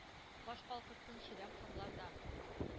Баш калкытсын чирәм кырларда,